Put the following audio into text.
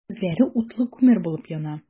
Күзләре утлы күмер булып яна.